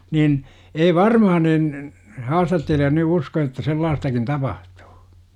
niin ei varmaan niin haastattelija nyt usko että sellaistakin tapahtuu